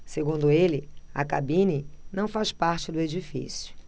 segundo ele a cabine não faz parte do edifício